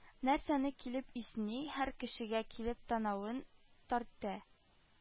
Нәрсәне килеп исни, һәр кешегә килеп танавын төртә